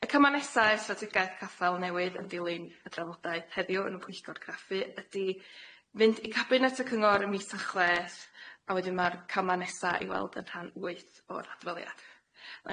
Y cyma' nesa' y stratigaeth caffael newydd yn dilyn y drafodaeth heddiw yn ymchwilgorgraffu ydi fynd i cabinet y cyngor ym mis Tachledd a wedyn ma'r cyma' nesa' i weld yn rhan wyt o'r adfiliad.